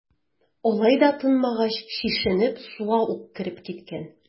Алай да тынмагач, чишенеп, суга ук кереп киткән.